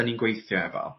'dan ni'n gweithio efo